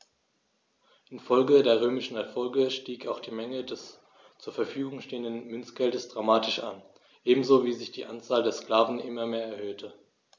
Infolge der römischen Erfolge stieg auch die Menge des zur Verfügung stehenden Münzgeldes dramatisch an, ebenso wie sich die Anzahl der Sklaven immer mehr erhöhte.